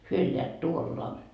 he elävät tuolla